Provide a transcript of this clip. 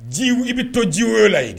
Ji i bɛ to ji wo layi